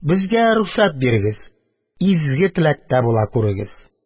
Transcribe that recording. Безгә рөхсәт бирегез, изге теләктә була күрегез...